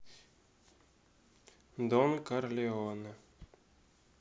дон корлеоне